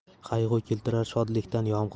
qayg'u keltirar shodlikdan